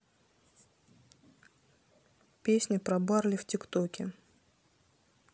песня про барли в тик токе